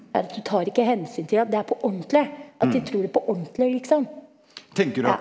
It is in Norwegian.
det er at du tar ikke hensyn til at det er på ordentlig, at de trur det på ordentlig liksom ja.